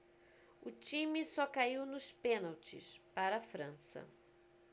o time só caiu nos pênaltis para a frança